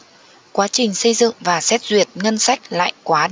quá trình xây dựng và xét duyệt ngân sách lại quá